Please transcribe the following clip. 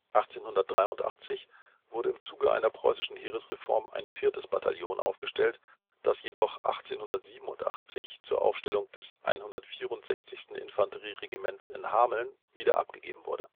1883 wurde im Zuge einer preußischen Heeresreform ein viertes Bataillon aufgestellt, das jedoch 1887 zur Aufstellung des 164. Infanterieregimentes in Hameln wieder abgegeben wurde